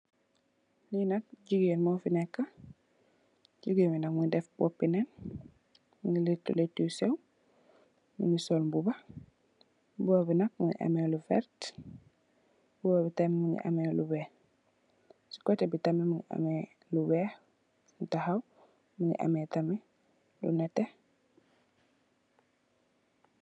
Lii nak jigeen mofi neka, jigeen bi nak mungi def bopi neen, mungi letu letu yu sew, mungi sol mbuba, mbuba bi nak mungi ameh lu vert, mbuba bi tam mungi ameh lu weeh, si kote bi tam mungi ameh lu weeh, fum tahaw mungi ameh lu neteh.